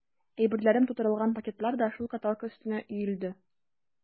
Әйберләрем тутырылган пакетлар да шул каталка өстенә өелде.